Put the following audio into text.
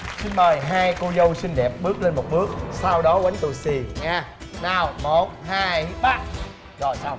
xin mời hai cô dâu xinh đẹp bước lên một bước sau đó oánh tù xì nha nào một hai ba rồi xong